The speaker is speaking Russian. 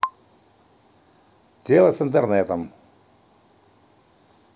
тело с интернетом